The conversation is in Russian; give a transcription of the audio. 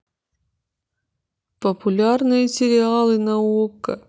популярные сериалы на окко